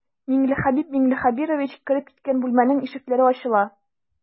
Миңлехәбиб миңлехәбирович кереп киткән бүлмәнең ишекләре ачыла.